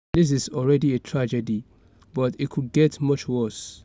This is already a tragedy, but it could get much worse."